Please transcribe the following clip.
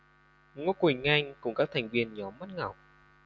ngô quỳnh anh cùng các thành viên nhóm mắt ngọc